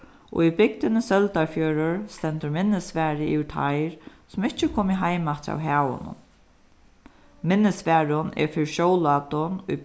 og í bygdini søldarfjørður stendur minnisvarði yvir teir sum ikki komu heim aftur av havinum minnisvarðin er fyri sjólátin í